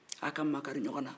a ka makari ɲɔgɔn na